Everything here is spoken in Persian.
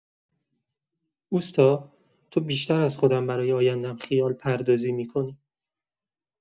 اوستا، تو بیشتر از خودم برای آینده‌م خیال‌پردازی می‌کنی.